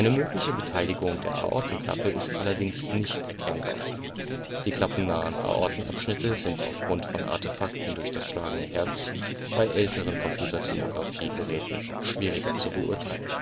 mögliche Beteiligung der Aortenklappe ist allerdings nicht erkennbar, die klappennahen Aortenabschnitte sind auf Grund von Artefakten durch das schlagende Herz bei älteren CT-Geräten schwieriger zu beurteilen